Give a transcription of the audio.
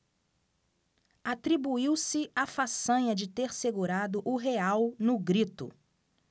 atribuiu-se a façanha de ter segurado o real no grito